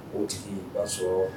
O tigi i b'a sɔrɔ